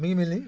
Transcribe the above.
mi ngi mel ni